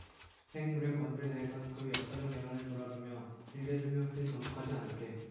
핵무력건설에 대해선 그 역사적 연원을 돌아보며 길게 설명했으니 반복하지 않을게